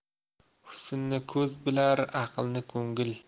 husnni ko'z bilar aqlni ko'ngil